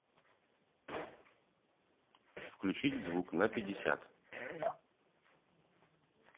выключить звук на пятьдесят